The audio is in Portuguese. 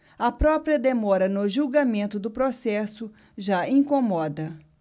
a própria demora no julgamento do processo já incomoda